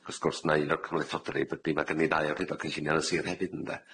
Ac wrth gwrs na un o'r cymlethtoda' ni ydi ma' gynnyn ni ddau awdurdod cynllunio yn sir hefyd ynde.